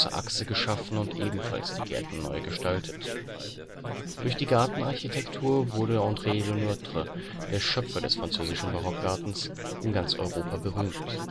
Achse geschaffen und ebenfalls die Gärten neu gestaltet. Durch die Gartenarchitektur wurde André Le Nôtre – der Schöpfer des französischen Barockgartens – in ganz Europa berühmt